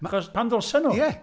Achos pam ddylsen nhw? Ie!